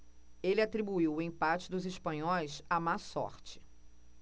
ele atribuiu o empate dos espanhóis à má sorte